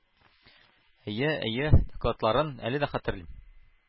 Әйе, әйе, докладларын, әле дә хәтерлим.